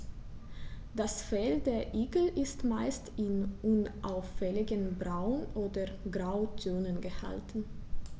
Das Fell der Igel ist meist in unauffälligen Braun- oder Grautönen gehalten.